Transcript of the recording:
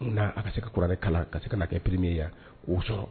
N'a a ka se ka k kuraɛ kalan ka se ka na kɛ pereirime yan o sɔrɔ